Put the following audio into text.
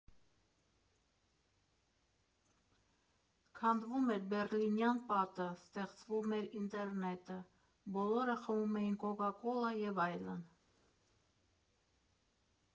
Քանդվում էր Բեռլինյան պատը, ստեղծվում էր ինտերնետը, բոլորը խմում էին կոկա֊կոլա, և այլն։